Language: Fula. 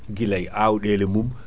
guilay awdɗele mum